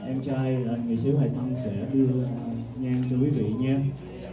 em trai là anh nghệ sĩ hoài phong sẽ đưa hương nhang cho quý dị nha